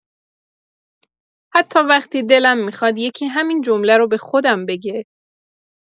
حتی وقتی دلم می‌خواد یکی همین جمله رو به خودم بگه.